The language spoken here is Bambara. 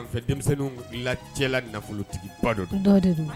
Denmisɛnninlacɛla nafolotigiba dɔ don